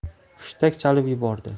hushtak chalib yubordi